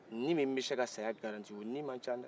ni min bɛ se ka saya garanti o ni man ca dɛ